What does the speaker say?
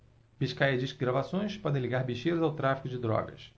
biscaia diz que gravações podem ligar bicheiros ao tráfico de drogas